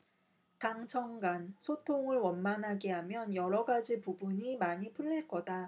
당청간 소통을 원만하게 하면 여러가지 부분이 많이 풀릴거다